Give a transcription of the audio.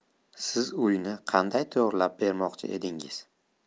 siz uyni qanday to'g'irlab bermoqchi edingiz